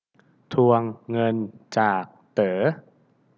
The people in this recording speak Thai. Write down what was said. ทวงเงินจากเต๋อ